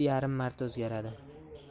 yarim marta o'zgaradi